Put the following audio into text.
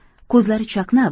ko'zlari chaqnab